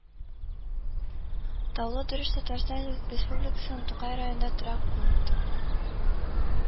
Таулы Дөреш Татарстан Республикасының Тукай районындагы торак пункт